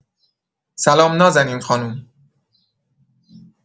سلام نازنین خانم